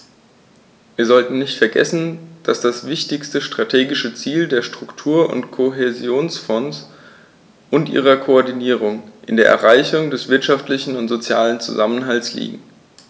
Wir sollten nicht vergessen, dass das wichtigste strategische Ziel der Struktur- und Kohäsionsfonds und ihrer Koordinierung in der Erreichung des wirtschaftlichen und sozialen Zusammenhalts liegt.